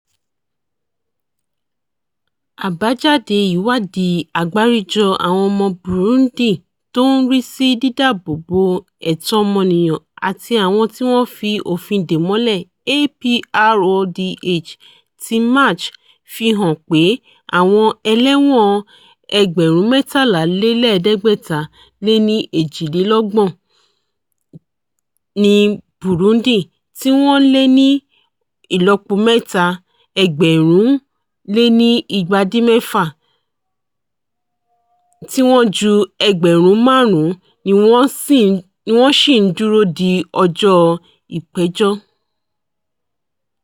Àbájade ìwádìí Àgbáríjọ àwọn ọmọ Burundi tó ń rí sí dídábòòbo ẹ̀tọ́ ọmọniyàn àti àwọn tí wọ́n fi òfin dè mọ́lẹ̀ (APRODH) ti March fi hàn pé àwọn ẹlẹ́wọ̀n 13,532 ni Burundi, tí wọ́n lé ní ìlọ́po mẹ́ta 4,194; tí wọ́n ju 5,000 ni wọn ṣì ń dúró di ọjọ́ ìpẹ̀jọ́.